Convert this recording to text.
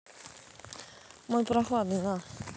мой прохладный на